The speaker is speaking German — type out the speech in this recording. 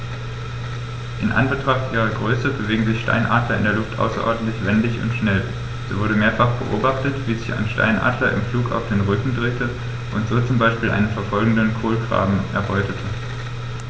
In Anbetracht ihrer Größe bewegen sich Steinadler in der Luft außerordentlich wendig und schnell, so wurde mehrfach beobachtet, wie sich ein Steinadler im Flug auf den Rücken drehte und so zum Beispiel einen verfolgenden Kolkraben erbeutete.